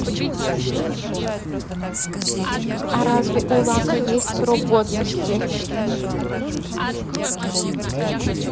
а разве у лака есть срок годности